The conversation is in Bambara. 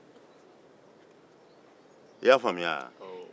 i y'a faamuya wa